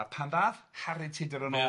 A pan ddath Harri Tudur yn ôl.